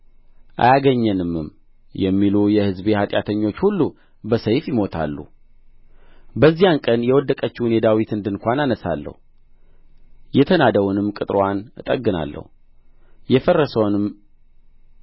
አያገኘንምም የሚሉ የሕዝቤ ኃጢአተኞች ሁሉ በሰይፍ ይሞታሉ በዚያ ቀን የወደቀችውን የዳዊትን ድንኳን አነሣለሁ የተናደውንም ቅጥርዋን እጠግናለሁ የፈረሰውንም